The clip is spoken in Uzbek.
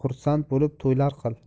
xursand bo'lib to'ylar qil